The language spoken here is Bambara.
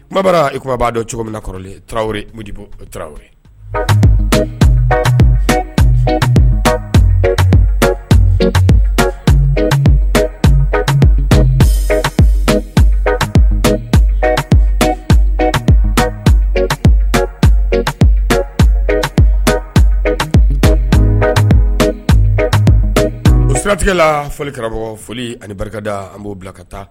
Mabara i b'a dɔn cogo min na kɔrɔlen taraweleo mudibo taraweleo o siratigɛ la foli karamɔgɔ foli ani barikada an b'o bila ka taa